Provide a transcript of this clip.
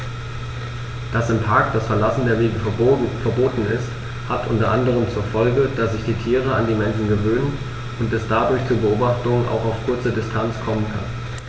Dass im Park das Verlassen der Wege verboten ist, hat unter anderem zur Folge, dass sich die Tiere an die Menschen gewöhnen und es dadurch zu Beobachtungen auch auf kurze Distanz kommen kann.